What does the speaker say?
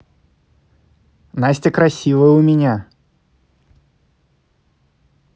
настя красивая у меня